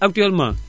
actuellement